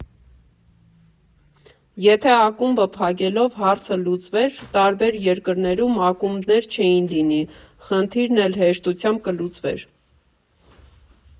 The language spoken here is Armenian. Եթե ակումբ փակելով հարցը լուծվեր, տարբեր երկրներում ակումբներ չէին լինի, խնդիրն էլ հեշտությամբ կլուծվեր։